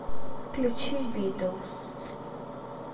включи битлз